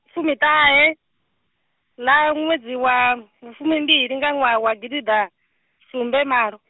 fumiṱahe, ḽa ṅwedzi wa, fumimbili nga ṅwaha wa gidiḓasumbemalo.